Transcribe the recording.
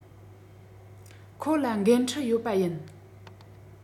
ཁོ ལ འགན འཁྲི ཡོད པ ཡིན